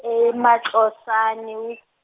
e- Matlosane wi-.